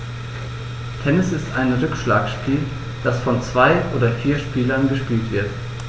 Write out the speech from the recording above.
Tennis ist ein Rückschlagspiel, das von zwei oder vier Spielern gespielt wird.